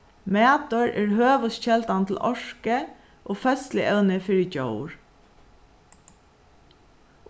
matur er høvuðskeldan til orku og føðsluevni fyri djór